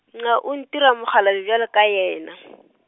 nxa o ntira mokgalabje bjalo ka yena.